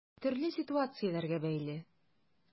Төрле ситуацияләргә бәйле.